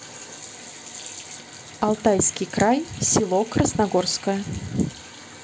алтайский край село красногорское